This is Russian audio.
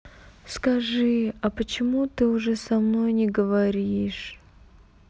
скажи а почему ты уже со мной не говоришь